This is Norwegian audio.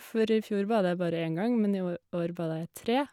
For i fjor bada jeg bare én gang men i åj år bada jeg tre.